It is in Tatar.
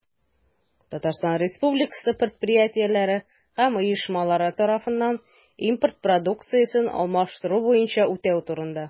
Татарстан Республикасы предприятиеләре һәм оешмалары тарафыннан импорт продукциясен алмаштыру бурычларын үтәү турында.